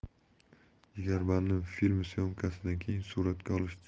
'jigarbandim' filmi syomkasidan keyin suratga